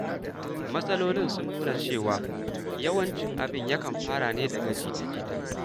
Matsalolin sun nuna cewa yawanci abin ya kan fara ne daga jita-jita.